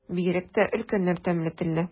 Бигрәк тә өлкәннәр тәмле телле.